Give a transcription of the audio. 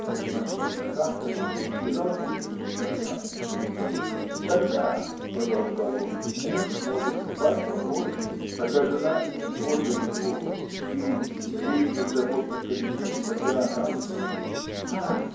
Он значительно кашлянул и залпом выпил стакан. – Тогда – продолжал он – муж может спать покойно когда жена и не подле него или сидеть беззаботно в кабинете когда она спит. – А!